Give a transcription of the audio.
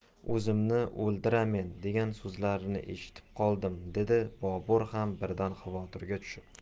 o'zimni o'ldiramen degan so'zlarini eshitib qoldim dedi bobur ham birdan xavotirga tushib